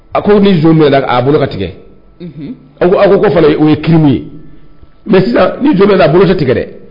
A ko ni bɛɛlɛn a bolo ka tigɛ aw aw ko fana o ye kiri ye mɛ sisan ni a bolose tigɛ dɛ